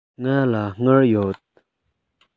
ང ལ དངུལ ཡོད